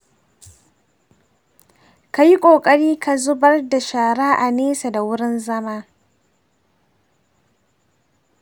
ka yi ƙoƙari ka zubar da shara a nesa da wurin zama.